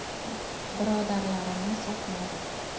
birodarlarini sotmadi